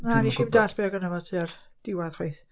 Na nes i'm dallt be oedd gynno fo tua'r diwadd chwaith.